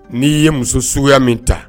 ' ye muso suguya min ta